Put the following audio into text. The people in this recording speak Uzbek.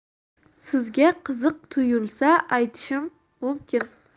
sizga qiziq tuyulsa aytishim mumkin